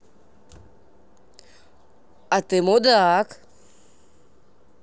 а ты мудак